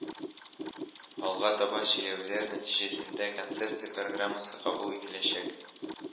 Алга таба сөйләүләр нәтиҗәсендә концепция программасы кабул ителәчәк